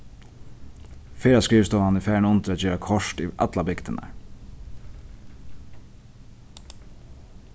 ferðaskrivstovan er farin undir at gera kort yvir allar bygdirnar